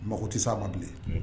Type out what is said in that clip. Mɔgɔ tɛ se ma bilen